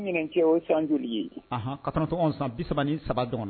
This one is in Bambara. Ɲinɛ cɛ o ye san joli ye? Ɔnhɔn ! 91 san 33 dɔrɔn